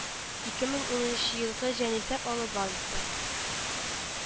Ике мең унынчы елгы җанисәп алу базасы